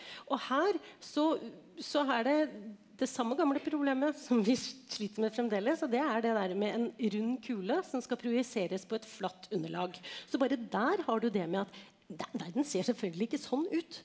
og her så så er det det samme gamle problemet som vi sliter med fremdeles, og det er det derre med en rund kule som skal projiseres på et flatt underlag så bare der har du det med at verden ser selvfølgelig ikke sånn ut.